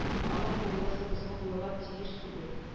Аның кулында сыбызгы булырга тиеш түгел